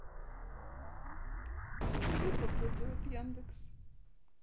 покажи погоду от яндекс